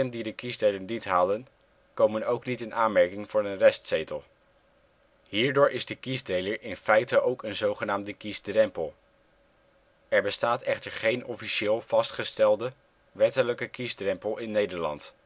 die de kiesdeler niet halen, komen ook niet in aanmerking voor een restzetel. Hierdoor is de kiesdeler in feite ook een zogenaamde kiesdrempel. Er bestaat echter geen officieel (vastgestelde) wettelijke kiesdrempel in Nederland